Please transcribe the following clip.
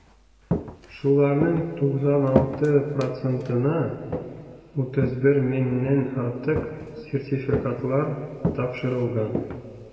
Шуларның 96 процентына (31 меңнән артык) сертификатлар тапшырылган.